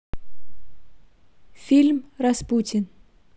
фильм распутин